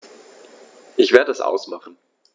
Ich werde es ausmachen